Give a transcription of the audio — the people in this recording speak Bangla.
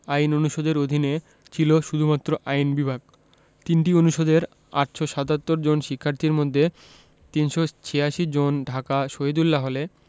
আইন অনুষদের অধীনে ছিল শুধুমাত্র আইন বিভাগ ৩টি অনুষদের ৮৭৭ জন শিক্ষার্থীর মধ্যে ৩৮৬ জন ঢাকা শহীদুল্লাহ হলে